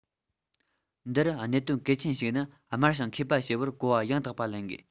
འདིར གནད དོན གལ ཆེན ཞིག ནི དམར ཞིང མཁས པ ཞེས པར གོ བ ཡང དག པ ལེན དགོས